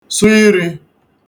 sụ irī